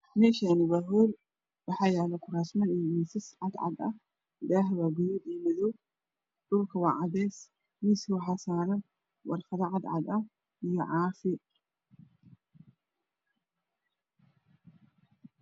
Meshani waa hool waxa yaalo kurasman iyo miisas cad cad ah daaha waa gaduud iyo madow dhulku waa cades miiska waxaa saaran warqado cad cad ah iyo caafi